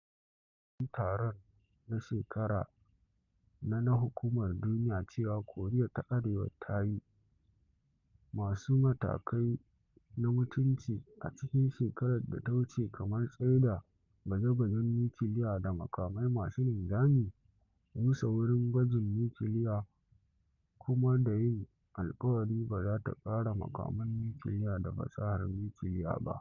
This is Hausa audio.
Ri Yong ya faɗa wa Babban Taro na shekara na na hukumar duniya cewa Koriya ta Arewa ta yi “masu matakai na mutunci” a cikin shekarar ta da wuce, kamar tsaida gwaje-gwajen nukiliya da makamai masu linzami, rusa wurin gwajin nukiliya, kuma da yin alkawari ba za ta ƙara makaman nukiliya da fasahar nukiliya ba.